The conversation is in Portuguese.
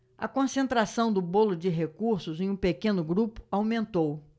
a concentração do bolo de recursos em um pequeno grupo aumentou